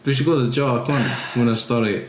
Dwi isio glywed y jôc 'wan yn y stori.